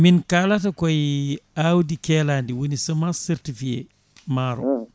min kalata koyi awdi keeladi woni semence certifié maaro